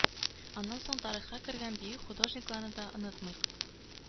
Аннан соң тарихка кергән бөек художникларны да онытмыйк.